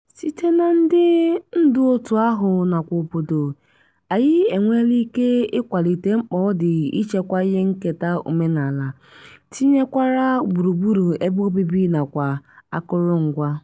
Site na ndị ndu òtù ahụ nakwa obodo, anyị enweela ike ịkwalite mkpa ọ dị ichekwa ihe nketa omenala, tinyekwara gburugburu ebe obibi nakwa akụrụngwa.